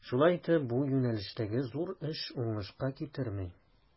Шулай итеп, бу юнәлештәге зур эш уңышка китерми.